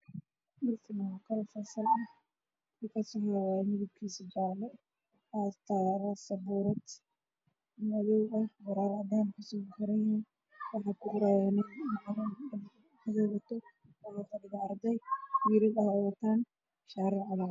Meeshan waa iskuul arday ee cashar ku qaadanayo macalin ayaa sabbowrada cashar ku qorayo madowMeeshan waa iskuul arday ee cashar ku qaadanayo macalin ayaa sabbowrada cashar ku qorayo madow